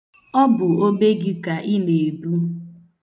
Ọ bụ obe gị ka ị na-ebu.